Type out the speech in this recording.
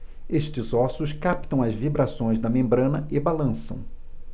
estes ossos captam as vibrações da membrana e balançam